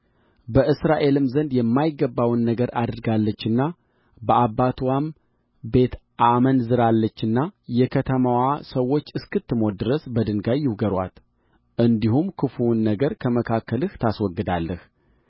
በእስራኤልም ዘንድ የማይገባውን ነገር አድርጋለችና በአባትዋም ቤት አመንዝራለችና የከተማዋ ሰዎች እስክትሞት ድረስ በድንጋይ ይውገሩአት እንዲሁም ክፉውን ነገር ከመካከልህ ታስወግዳለህ